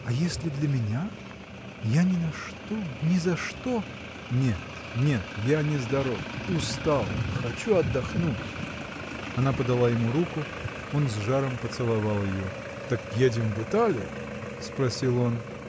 – А если для меня, я ни за что, ни за что. – Нет, нет! я нездоров, устал. хочу отдохнуть. Она подала ему руку. Он с жаром поцеловал ее. – Так едем в Италию? – спросил он.